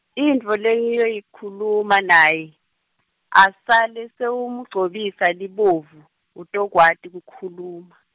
intfo lengiyoyikhuluma naye , asale sewumugcobisa libovu, utokwati kukhuluma.